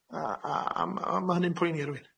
A a a ma'- a ma' hynny'n poeni rywun.